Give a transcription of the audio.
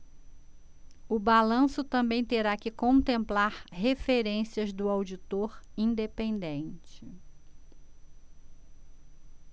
o balanço também terá que contemplar referências do auditor independente